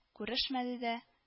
Күрешмәде дә